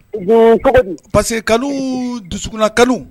Bon parce que kalo dusuna kalo